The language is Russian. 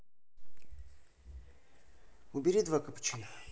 убери два капучино